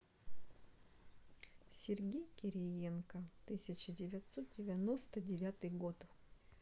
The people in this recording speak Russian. сергей кириенко тысяча девятьсот девяносто девятый год